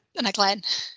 Dyna glên.